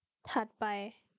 ถัดไป